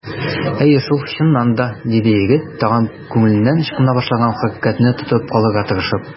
Әйе шул, чыннан да! - диде егет, тагын күңеленнән ычкына башлаган хакыйкатьне тотып калырга тырышып.